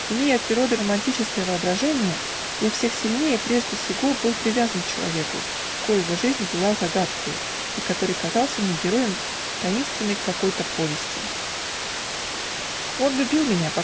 Имея от природы романическое воображение, я всех сильнее прежде сего был привязан к человеку, коего жизнь была загадкою и который казался мне героем таинственной какой-то повести. Он любил меня